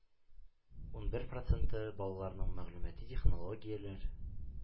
Унбер проценты балаларының мәгълүмати технологияләр,